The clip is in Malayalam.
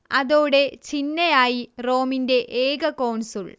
അതോടേ ചിന്നയായി റോമിന്റെ ഏക കോൺസുൾ